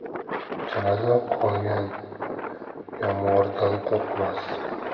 jalada qolgan yomg'irdan qo'rqmas